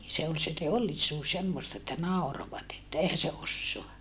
se oli se teollisuus semmoista että nauroivat että eihän se osaa